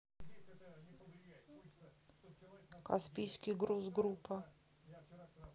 каспийский груз группа